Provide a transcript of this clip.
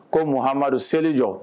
Ko muha amadumadu seli jɔ